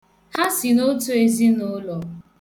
Ha si na otu ezinụụlọ.